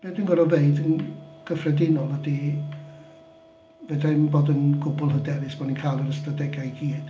Be dwi'n gorod ddeud yn gyffredinol ydy fedra i ddim bod yn gwbl hyderus ein bod ni'n cael yr ystadegau i gyd.